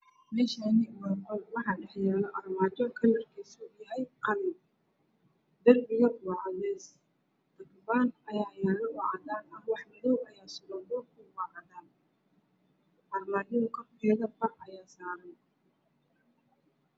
Meeshaani waa qol waxaa yaalo armaajo kalarkiisa yahay qalin darbiga waa cadays katabaan ayaa yaalo waxaa madow armaajada korkeeda waxa ayaa saaran